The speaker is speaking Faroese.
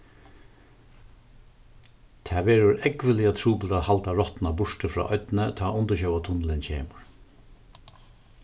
tað verður ógvuliga trupult at halda rottuna burtur frá oynni tá undirsjóvartunnilin kemur